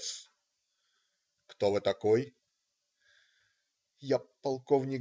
С. "Кто вы такой?" - "Я - полк.